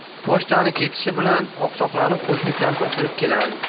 pochtachi ketishi bilan oqsoqlanib qo'shni kampir kirib keladi